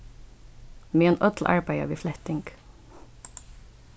meðan øll arbeiða við fletting